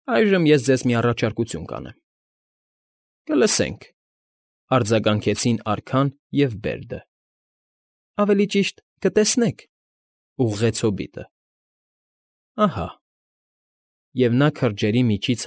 Այժմ ես ձեզ մի առաջարկություն կանեմ։ ֊ Կլսենք,֊ արձագանքեցին արքան և Բերդը։ ֊ Ավելի ճիշտ, կտեսնեք,֊ ուղղեց հոբիտը։֊ Ահա…֊ Եվ նա քրջերի միջից։